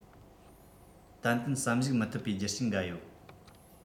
ཏན ཏན བསམ གཞིགས མི ཐུབ པའི རྒྱུ རྐྱེན འགའ ཡོད